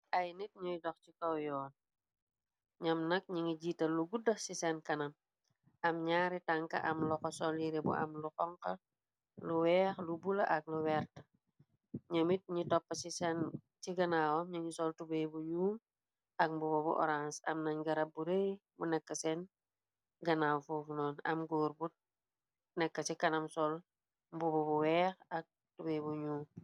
Ay nit ñuy dox ci kow yoon ñom nak ñu ngi jiital lu gudda ci seen kanam, am na ñaari tank, am loxo, sol yire bu am lu xonxa, lu weex lu, bula ak lu werte, ñomit ñi topp ci ganaawam ñëeñ na nyi sol tubeey bu nyuul ak mboba bu orans, am nañ garab bu ray bu nekk seen ganaaw, foofunoon am na góor bu nekk ci kanam, sol mbubabu weex ak tubeey bu ñuul.